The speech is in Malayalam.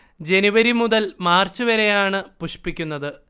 ജനുവരി മുതൽ മാർച്ച് വരെയാണ് പുഷ്പിക്കുന്നത്